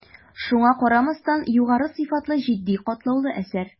Шуңа карамастан, югары сыйфатлы, житди, катлаулы әсәр.